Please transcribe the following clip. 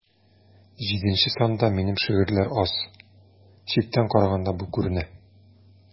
Җиденче санда минем шигырьләр аз, читтән караганда бу күренә.